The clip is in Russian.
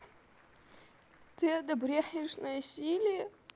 ты одобряешь насилие